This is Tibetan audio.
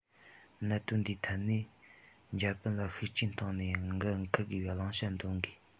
གནད དོན འདིའི ཐད འཇར པན ལ ཤུགས རྐྱེན བཏང ནས འགན འཁུར དགོས པའི བླང བྱ འདོན དགོས